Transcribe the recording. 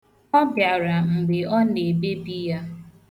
Ọ bịara mgbe ọ na-ebebi ya.